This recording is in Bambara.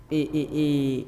Ee ee ee